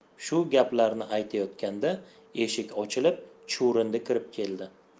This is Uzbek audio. shu gaplarni aytayotganda eshik ochilib chuvrindi kirib keldi